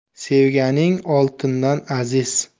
sevganing oltindan aziz